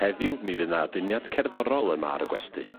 Heddiw mi fydd 'na aduniad cerddorol yma ar y gwesty.